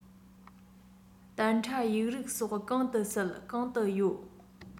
གཏན ཁྲ ཡིག རིགས སོགས གང དུ གསལ གང དུ ཡོད